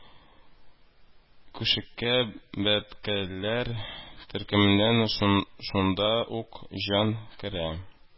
Күшеккән бәбкәләр төркеменә шунда ук җан керә